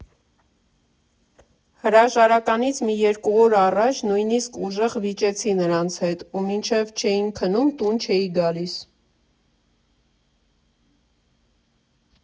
Հրաժարականից մի երկու օր առաջ նույնիսկ ուժեղ վիճեցի նրանց հետ, ու մինչև չէին քնում՝ տուն չէի գալիս։